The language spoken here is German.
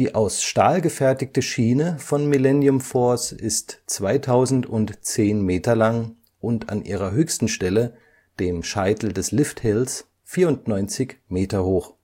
aus Stahl gefertigte Schiene von Millennium Force ist 2010 Meter lang und an ihrer höchsten Stelle, dem Scheitel des Lifthills, 94 Meter hoch